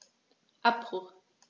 Abbruch.